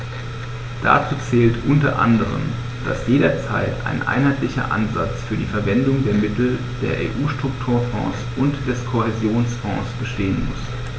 Dazu zählt u. a., dass jederzeit ein einheitlicher Ansatz für die Verwendung der Mittel der EU-Strukturfonds und des Kohäsionsfonds bestehen muss.